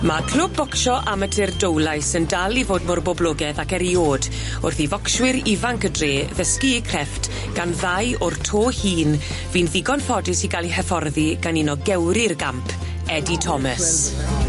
Ma' clwb bocsio amatur Dowlais yn dal i fod mor boblogedd ac eriod wrth i focswyr ifanc y dre ddysgu 'u crefft gan ddau o'r to hŷn fu'n ddigon ffodus i ga'l 'u hyfforddi gan un o gewri'r gamp Eddie Thomas.